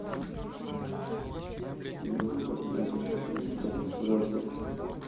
милана блогер как она играет в roblox